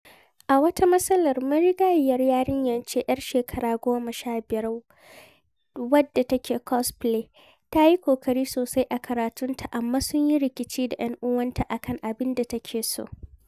A wata matsalar, marigayiyar yarinya ce 'yar shekaru 15 wadda take cosplay. Ta yi ƙoƙari sosai a karatunta amma sun yi rikici da 'yan'uwanta a kan abin da take so.